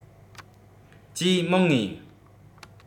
གྱིས མང ངེས